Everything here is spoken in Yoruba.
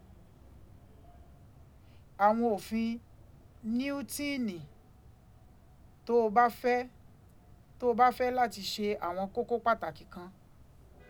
Àwọn òfin Níútíìnì, tó o bá fẹ́, tó o bá fẹ́ láti ṣe àwọn kókó pàtàkì kan.